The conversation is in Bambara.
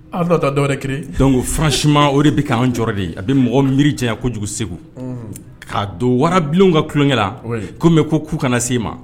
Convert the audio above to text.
Alata dɔwɛrɛ dɔnkuc ko fransiuma o de bɛ kaan jɔ de a bɛ mɔgɔ miiri jan kojugu segu k'a don warabilen ka tulonkɛ la ko mɛn ko ku kana se ma